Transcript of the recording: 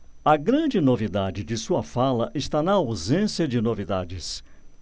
a grande novidade de sua fala está na ausência de novidades